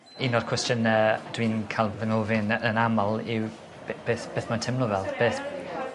Un o'r cwestiyne dwi'n ca'l 'yn ofyn yy yn amal yw be- beth beth ma'n teimlo fel. Beth